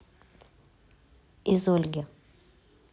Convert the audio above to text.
из ольги